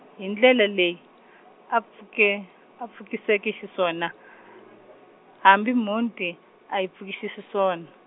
hi ndlela leyi, a pfuke- a pfukiseke xiswona , hambi mhunti, a yi pfukisi xiswona.